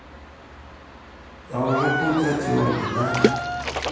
а уже путь затерли да